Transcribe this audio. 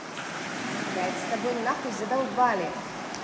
блядь с тобой нахуй задолбали